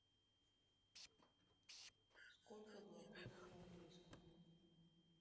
сколько глаголов в английском